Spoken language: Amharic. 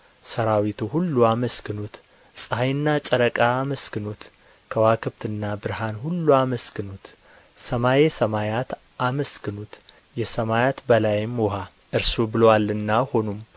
ሠራዊቱ ሁሉ አመስግኑት ፀሐይና ጨረቃ አመስግኑት ከዋክብትና ብርሃን ሁሉ አመስግኑት ሰማየ ሰማያት አመስግኑት የሰማያት በላይም ውኃ እርሱ ብሎአልና ሆኑም